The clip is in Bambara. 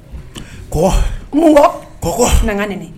Kɔ, kɔgɔ, na n k'a nɛnɛ